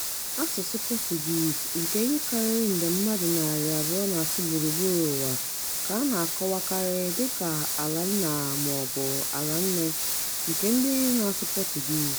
Asụsụ Portuguese, nke ihe karịrị nde mmadụ 200 na-asụ gburugburu ụwa, ka a na-akọwakarị dị ka "ala nna" maọbụ "ala nne" nke ndị na-asụ Portuguese.